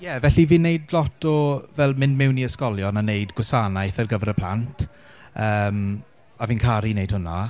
Ie felly fi'n wneud lot o fel mynd mewn i ysgolion a wneud gwasanaeth ar gyfer y plant. yym a fi'n caru wneud hwnna.